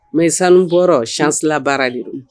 Mais sanubɔyɔrɔ o chance la baara de ye